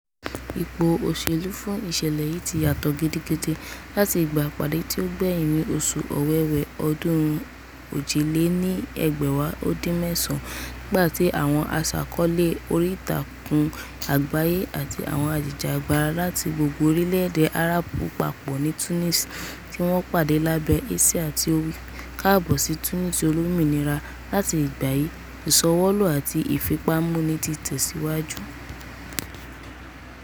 Ipò òṣèlú fún ìṣẹ̀lẹ̀ yìí ti yàtọ̀ gidigidi láti ìgbà ìpàdé tí ó gbẹ̀yìn ní oṣù Ọ̀wẹ̀wẹ̀ ọdún 2011, nígbà tí àwọn aṣàkọọ́lẹ̀ oríìtakùn àgbáyé àti àwọn ajìjàgbara láti gbogbo orílẹ̀-èdè Arab parapọ̀ ní Tunis, tí wọ́n pàdé lábẹ́ àsíà tí ó wí pé: "Káàbọ̀ sí Tunis Olómìnira." Láti ìgbà yìí, ìṣọ́lọ́wọ́ àti ìfipámúni ti tẹ̀síwájú.